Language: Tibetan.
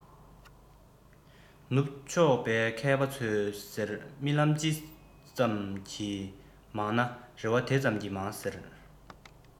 ནུབ ཕྱོགས པའི མཁས པ ཚོས ཟེར རྨི ལམ ཅི ཙམ གྱིས མང ན རེ བ དེ ཙམ གྱིས མང ཟེར